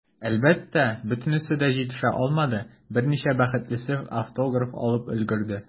Әлбәттә, бөтенесе дә җитешә алмады, берничә бәхетлесе автограф алып өлгерде.